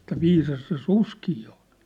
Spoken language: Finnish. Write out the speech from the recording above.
että viisas se susikin on